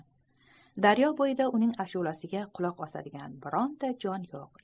daryo bo'yida uning ashulasiga quloq osadigan bironta jon yo'q